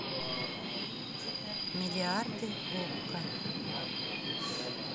миллиарды окко